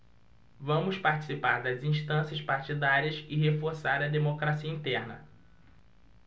vamos participar das instâncias partidárias e reforçar a democracia interna